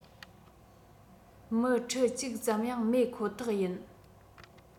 མི ཁྲི གཅིག ཙམ ཡང མེད ཁོ ཐག ཡིན